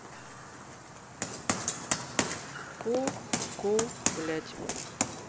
ку ку блядь